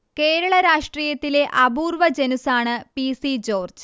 കേരള രാഷ്ട്രീയത്തിലെ അപൂർവ്വ ജനുസ്സാണ് പി. C George